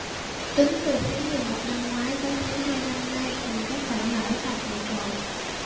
tính từ tháng mười một năm ngoái tới tháng hai năm nay cùng các khoản lãi và phụ trội